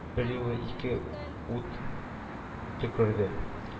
Берьюлы ике ут төкерде